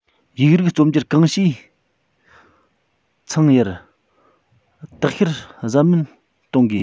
ཡིག རིགས རྩོམ སྒྱུར གང བྱས ཚང ཡར དག བཤེར གཟབ ནན གཏོང དགོས